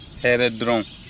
hɛrɛ dɔrɔn